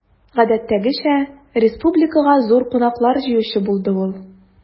Гадәттәгечә, республикага зур кунаклар җыючы булды ул.